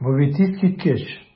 Бу бит искиткеч!